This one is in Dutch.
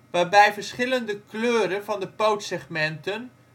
waarbij verschillende kleuren van de pootsegmenten